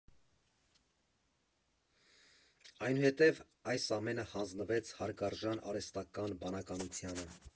Այնուհետև այս ամենը հանձնվեց հարգարժան արհեստական բանականությանը։